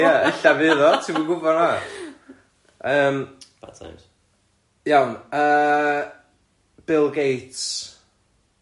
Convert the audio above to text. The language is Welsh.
Ia ella fydd o ti'm yn gwbod na, yym... Bad times. Iawn yy Bill Gates. Ie?